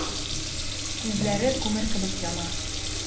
Күзләре күмер кебек яна.